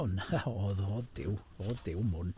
O na, oedd oedd, Duw, oedd Duw m'wn.